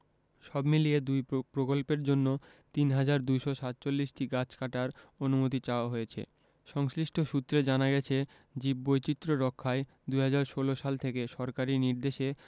সবমিলিয়ে দুই প্রকল্পের জন্য ৩হাজার ২৪৭টি গাছ কাটার অনুমতি চাওয়া হয়েছে সংশ্লিষ্ট সূত্রে জানা গেছে জীববৈচিত্র্য রক্ষায় ২০১৬ সাল থেকে সরকারি নির্দেশে